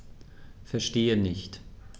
Verstehe nicht.